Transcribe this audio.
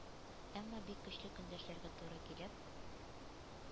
Әмма бик көчле көндәшләргә туры килеп